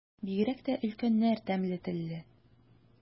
Бигрәк тә өлкәннәр тәмле телле.